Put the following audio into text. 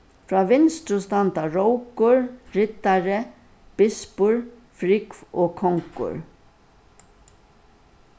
frá vinstru standa rókur riddari bispur frúgv og kongur